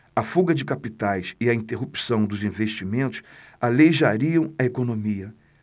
a fuga de capitais e a interrupção dos investimentos aleijariam a economia